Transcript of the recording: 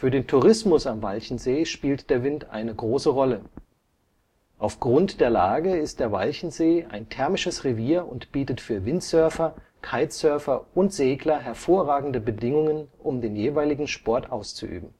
den Tourismus am Walchensee spielt der Wind eine große Rolle. Aufgrund der Lage ist der Walchensee ein thermisches Revier und bietet für Windsurfer, Kitesurfer und Segler hervorragende Bedingungen um den jeweiligen Sport auszuüben